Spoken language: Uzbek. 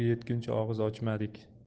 yetguncha og'iz ochmadik